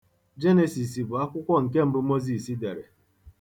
Jenesis bụ akwụkwọ nke mbụ Moses dere.